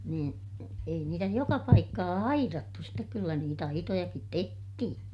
niin ei niitä joka paikkaa aidattu sitten kyllä niitä aitojakin tehtiin